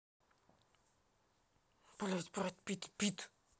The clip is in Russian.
блядь брэд питт пит